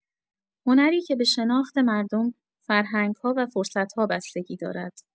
هنری که به شناخت مردم، فرهنگ‌ها و فرصت‌ها بستگی دارد.